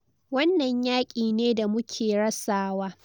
Wannan yaki ne damuke rasawa.